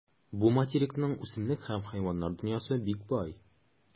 Бу материкның үсемлек һәм хайваннар дөньясы бик бай.